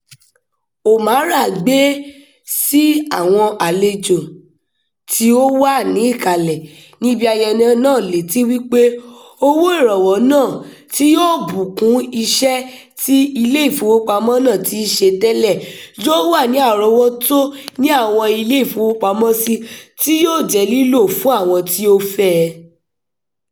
Omarah gbé e sí àwọn àlejò tí ó wà níkàlẹ̀ níbi ayẹyẹ náà létí wípé owó ìrànwọ́ náà, tí yóò bù kún iṣẹ́ tí Ilé-ìfowópamọ́sí náà ti ń ṣe tẹ́lẹ̀, yóò wà ní àrọ̀wọ́tó ní àwọn Ilé-ìfowópamọ́sí, tí yóò jẹ́ lílò fún àwọn tí ó fẹ́ ẹ.